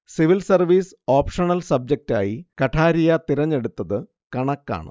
civil service optional സബ്ജറ്റായി കഠാരിയ തിരഞ്ഞെടുത്തത് കണക്കാണ്